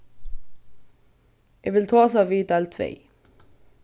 eg vil tosa við deild tvey